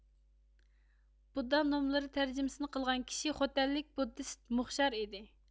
بۇددا نوملىرى تەرجىمىسىنى قىلغان كىشى خوتەنلىك بۇددىست موغشار ئىدى